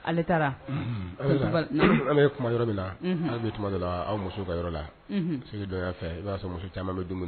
Ale taara an kuma yɔrɔ min na bɛ aw muso ka yɔrɔ la segu dɔ fɛ i b'a sɔrɔ muso caman bɛ don